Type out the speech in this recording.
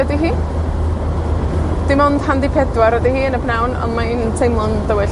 ydi hi. Dim ond han' 'di pedwar ydi hi yn y pnawn, on' mae 'i'n teimlo'n dywyll.